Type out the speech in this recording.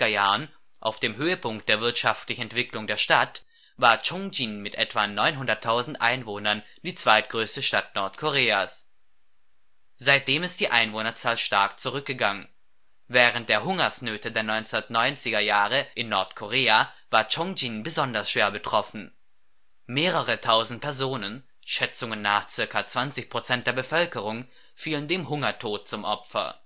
Jahren, auf dem Höhepunkt der wirtschaftlichen Entwicklung der Stadt, war Ch'ŏngjin mit etwa 900.000 Einwohnern die zweitgrößte Stadt Nordkoreas. Seitdem ist die Einwohnerzahl stark zurückgegangen. Während der Hungersnöte der 1990er in Nordkorea war Ch'ŏngjin besonders schwer betroffen. Mehrere tausend Personen, Schätzungen nach ca. 20 % der Bevölkerung fielen dem Hungertod zum Opfer